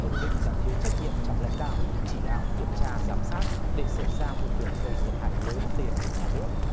ông ninh đã thiếu trách nhiệm trong lãnh đạo chỉ đạo kiểm tra giám sát để xảy ra vụ việc gây thiệt hại lớn tiền của nhà nước